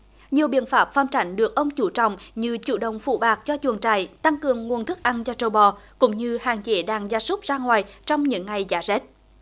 nhiều biện pháp phòng tránh được ông chú trọng như chủ động phủ bạt cho chuồng trại tăng cường nguồn thức ăn cho trâu bò cũng như hạn chế đàn gia súc ra ngoài trong những ngày giá rét